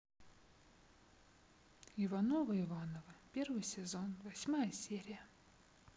ивановы ивановы первый сезон восьмая серия